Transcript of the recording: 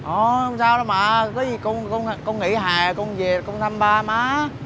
hôi hông sao đâu mà có gì con con a con nghỉ hè con dề con thăm ba má